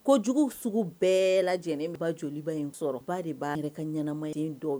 Kojugu sugu bɛɛ la lajɛlenba joliba in sɔrɔ ba de b'a yɛrɛ ka ɲɛnama dɔ